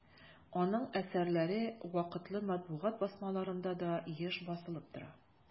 Аның әсәрләре вакытлы матбугат басмаларында да еш басылып тора.